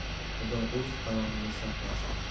xudo o'z panohida saqlasin